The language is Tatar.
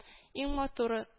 Иң матуры